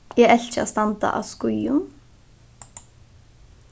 eg elski at standa á skíðum